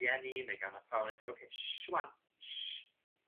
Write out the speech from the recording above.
rhieni neu gan athrawon ydi oce sh rŵan. Sh.